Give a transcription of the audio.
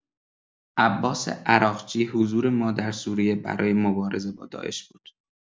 عباس عراقچی: حضور ما در سوریه برای مبارزه با داعش بود.